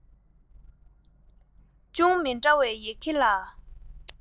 འབྲི ཚུལ དང སྒྲིག གཞི